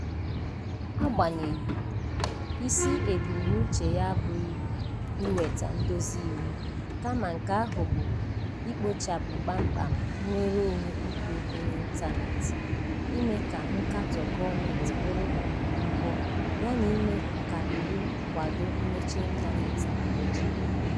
Agbanyeghị, isi ebumnuche ya abụghị iweta ndozi iwu, kama nke ahụ bụ, ikpochapụ kpamkpam nnwere onwe ikwu okwu n'ịntaneetị, ime ka nkatọ gọọmentị bụrụ mpụ yana ime ka iwu kwado mmechi ịntaneetị na Naịjirịa.